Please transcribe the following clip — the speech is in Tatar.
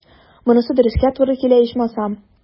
Монысы дөрескә туры килә, ичмасам.